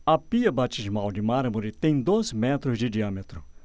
a pia batismal de mármore tem dois metros de diâmetro